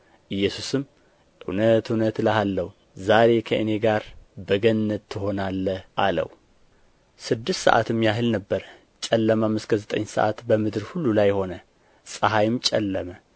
ኢየሱስም እውነት እልሃለሁ ዛሬ ከእኔ ጋር በገነት ትሆናለህ አለው ስድስት ሰዓትም ያህል ነበረ ጨለማም እስከ ዘጠኝ ሰዓት በምድር ሁሉ ላይ ሆነ ፀሐይም ጨለመ